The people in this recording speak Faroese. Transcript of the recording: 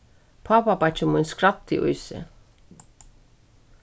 pápabeiggi mín skræddi í seg